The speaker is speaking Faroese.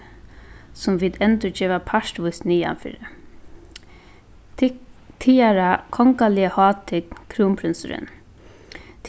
sum vit endurgeva partvíst niðanfyri tygara kongaliga hátign krúnprinsurin